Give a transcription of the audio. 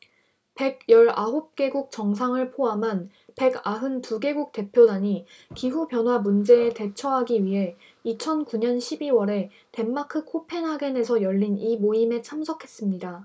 백 열 아홉 개국 정상을 포함한 백 아흔 두 개국 대표단이 기후 변화 문제에 대처하기 위해 이천 구 년 십 이 월에 덴마크 코펜하겐에서 열린 이 모임에 참석했습니다